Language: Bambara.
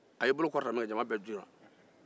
a y'i bolo kɔrɔtali min kɛ jama bɛɛ jɔra